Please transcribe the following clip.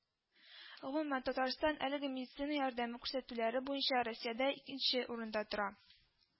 Гомумән Татарстан әлеге медицина ярдәме күрсәтүләре буенча Россиядә икенче урында тора